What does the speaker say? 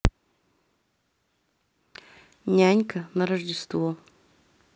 нянька на рождество